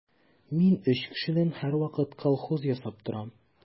Мин өч кешедән һәрвакыт колхоз ясап торам.